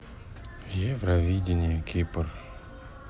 евровидение кипр